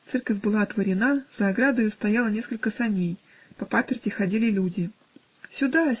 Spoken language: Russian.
Церковь была отворена, за оградой стояло несколько саней по паперти ходили люди. "Сюда!